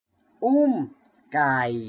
อุ้มไก่